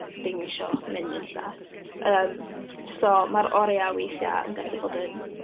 ddim isio mynd nunlla. Yym, so ma'r oriau weithiau yn gallu bod yn...